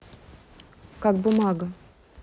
как бумага